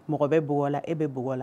Mɔgɔ bɛ bug e bɛ bɔgɔ la